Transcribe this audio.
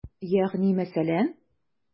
Ягъни мәсәлән?